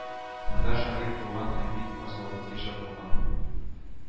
Монда шагыйрь туган һәм бик аз вакыт яшәп калган